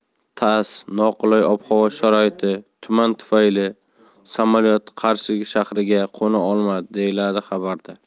tass noqulay ob havo sharoiti tuman tufayli samolyot qarshi shahriga qo'na olmadi deyiladi xabarda